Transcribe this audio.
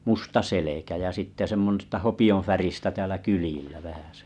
musta selkä ja sitten semmoista hopeanväristä täällä kyljillä vähäsen